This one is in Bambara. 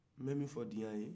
nbɛ min fɔ diɲa ye